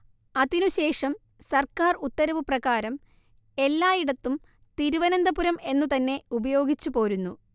അതിനു ശേഷം സർക്കാർ ഉത്തരവു പ്രകാരം എല്ലായിടത്തും തിരുവനന്തപുരം എന്നുതന്നെ ഉപയോഗിച്ചുപോരുന്നു